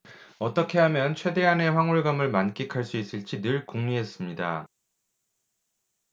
어떻게 하면 최대한의 황홀감을 만끽할 수 있을지 늘 궁리했습니다